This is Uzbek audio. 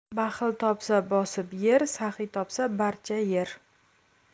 baxil topsa bosib yer saxiy topsa barcha yer